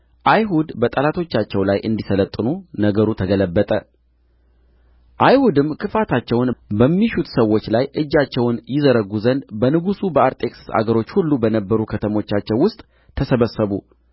የአይሁድ ጠላቶች ሊሠለጥኑባቸው በነበረው ቀን አይሁድ በጠላቶቻቸው ላይ እንዲሠለጥኑ ነገሩ ተገለበጠ አይሁድም ክፋታቸውን በሚሹት ሰዎች ላይ እጃቸውን ይዘረጉ ዘንድ በንጉሡ በአርጤክስስ አገሮች ሁሉ በነበሩ ከተሞቻቸው ውስጥ ተሰበሰቡ